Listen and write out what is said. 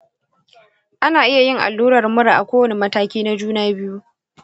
ana iya yin allurar mura a kowane mataki na juna biyu.